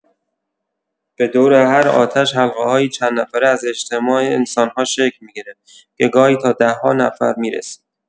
به دور هر آتش حلقه‌هایی چندنفره از اجتماع انسان‌ها شکل می‌گرفت که گاهی تا ده‌ها نفر می‌رسید.